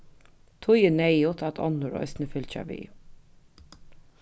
tí er neyðugt at onnur eisini fylgja við